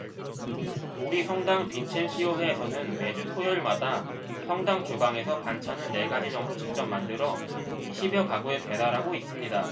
우리 성당 빈첸시오회에서는 매주 토요일마다 성당 주방에서 반찬을 네 가지 정도 직접 만들어 이십 여 가구에 배달하고 있습니다